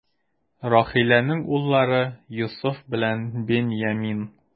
Рахиләнең уллары: Йосыф белән Беньямин.